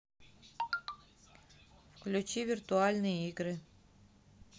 включи виртуальные игры